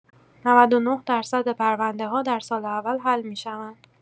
۹۹ درصد پرونده‌‌ها در سال اول حل می‌شوند.